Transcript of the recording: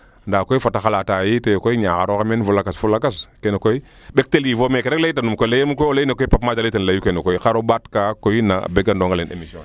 ndaa koy fata xalata yite Niakhar oxey meen fo lakas fo lakas keene koy ɓektel yiifo meeke rek leyta num koy leyiim koy o leyee Pape Made ale ten leyu kene koy xar o mbaat kaa koy na begandoronge emission ne